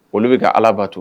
Olu bɛ ka ala bato